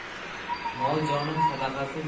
mol jonim sadag'asi